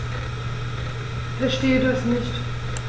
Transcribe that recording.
Verstehe das nicht.